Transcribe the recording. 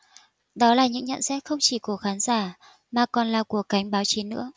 đó là những nhận xét không chỉ của khán giả mà còn là của cánh báo chí nữa